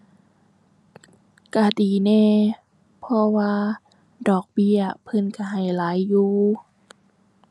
ก็ดีแหน่ เพราะว่าดอกเบี้ยเพิ่นก็ให้หลายอยู่